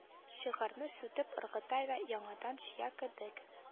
Шигырьне сүтеп ыргыта да яңадан җыя кебек